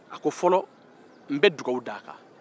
a ko fɔlɔ n bɛ dugawu d'a kan